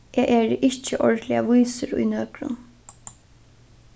eg eri ikki ordiliga vísur í nøkrum